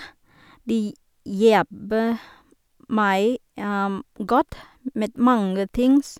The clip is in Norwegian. De hjelper meg godt med mange ting.